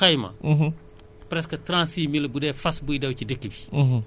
sa matériel yàqu muy charette bi muy fas bi dee na am na ndàmpaay bi ñu lay jox